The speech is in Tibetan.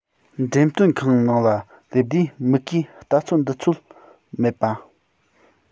འགྲེམས སྟོན ཁང ནང ལ སླེབས དུས མིག གིས ལྟ ཚོད འདི ཚོད མེད པ